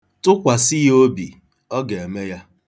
Tụkwasị ya obi! Ọ ga-eme ya.